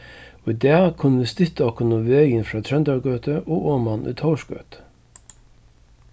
í dag kunnu vit stytta okkum um vegin frá tróndargøtu og oman í tórsgøtu